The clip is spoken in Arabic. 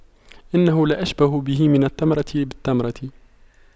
إنه لأشبه به من التمرة بالتمرة